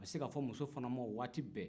a bɛ se ka fɔ muso fana ma waati bɛɛ